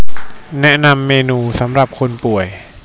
แนะนำเมนูสำหรับคนป่วย